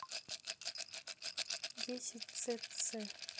десять цц